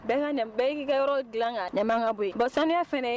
Bɛɛ ka na. Bɛɛ k'i ka. yɔrɔ dilan ka nɛma ka bon saniya fana ye